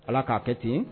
Allah k'a kɛ ten